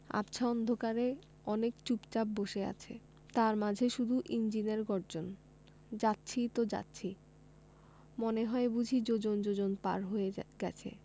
আবছা অন্ধকারে অনেকে চুপচাপ বসে আছে তার মাঝে শুধু ইঞ্জিনের গর্জন যাচ্ছি তো যাচ্ছি মনে হয় বুঝি যোজন যোজন পার হয়ে গেছে